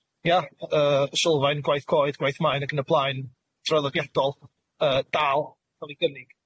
Ia? Yy sylfaen gwaith coed, gwaith maen ac yn y blaen, traddodiadol, yy dal yn ca'l ei gynnig